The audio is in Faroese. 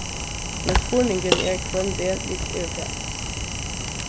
men spurningurin er hvønn veg vit eru farin